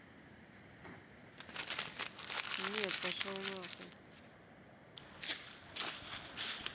нет пошел нахуй